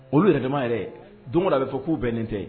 Olu yɛrɛdama yɛrɛ, don o don a bɛ fɔ k'olu bɛnnen tɛ